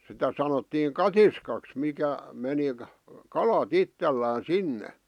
sitä sanottiin katiskaksi mikä meni kalat itsellään sinne